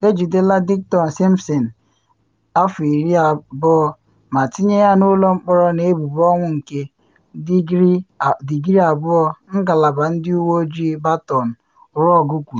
Ejidela Dyteon Simpson, 20, ma tinye ya n’ụlọ mkpọrọ na ebubo ọnwụ nke digrii-abụọ, Ngalaba Ndị Uwe Ojii Baton Rouge kwuru.